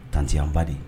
Tanti anba de ye